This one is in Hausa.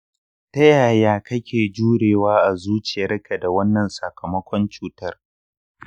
ta yaya kake jurewa a zuciyarka da wannan sakamakon cutar?